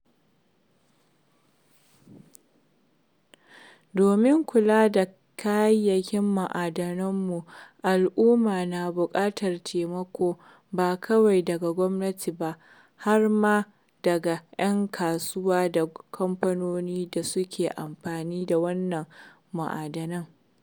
Domin kula da kiyaye ma'adananmu, al'umma na buƙatar taimakon ba kawai daga gwamnati ba har ma daga 'yan kasuwa da kamfanoni da suke amfani da waɗannan ma'adanan.